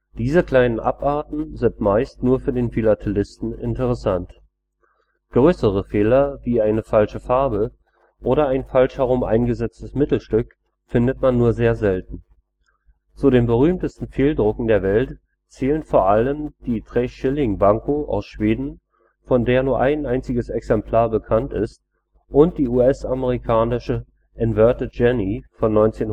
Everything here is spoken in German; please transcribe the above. Diese kleinen Abarten sind meist nur für den Philatelisten interessant. Größere Fehler, wie eine falsche Farbe oder ein falsch herum eingesetztes Mittelstück, findet man nur sehr selten. Zu den berühmtesten Fehldrucken der Welt zählen vor allem die Tre Skilling Banco aus Schweden, von der nur ein Exemplar bekannt ist, und die US-amerikanische Inverted Jenny von 1918